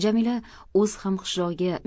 jamila o'z hamqishlog'iga